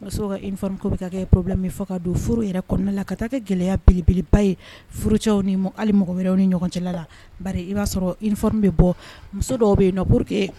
Muso ka fɔ ko bɛ ka kɛ pbi min fɔ ka don furu yɛrɛ kɔnɔna la ka taa kɛ gɛlɛya belebeleba yecɛw ni ali mɔgɔ wɛrɛw ni ɲɔgɔn cɛla lari i b'a sɔrɔ in bɛ bɔ muso dɔw bɛ yen pour que